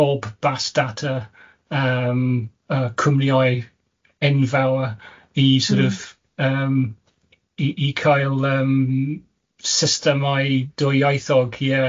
bob bas data yym y cwmniau enfawr i sor'... Mm... of yym, i i cael yym systemau dwyieithog, ie.